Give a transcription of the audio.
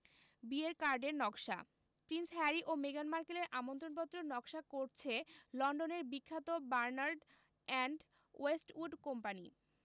বিয়ের কার্ডের নকশা প্রিন্স হ্যারি ও মেগান মার্কেলের আমন্ত্রণপত্র নকশা করছে লন্ডনের বিখ্যাত বার্নার্ড অ্যান্ড ওয়েস্টউড কোম্পানি